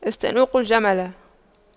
استنوق الجمل